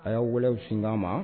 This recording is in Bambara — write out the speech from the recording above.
A y'a walew sin' ma